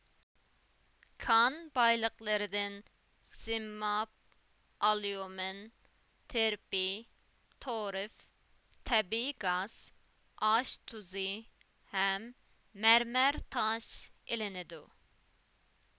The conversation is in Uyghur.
كان بايلىقلىرىدىن سىماب ئاليۇمىن ترىپى تورف تەبىئىي گاز ئاش تۇزى ھەم مەرمەر تاش ئېلىنىدۇ